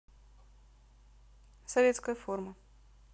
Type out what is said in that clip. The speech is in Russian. советская форма